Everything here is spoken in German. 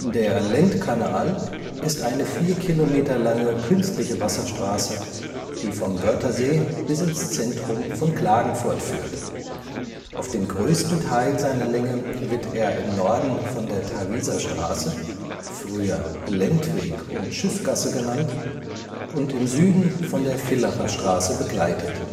Der Lendkanal ist eine vier Kilometer lange künstliche Wasserstraße, die vom Wörthersee bis ins Zentrum von Klagenfurt führt. Auf dem größten Teil seiner Länge wird er im Norden von der Tarviser Straße (früher „ Lendweg “und „ Schiffgasse “) und im Süden von der Villacher Straße begleitet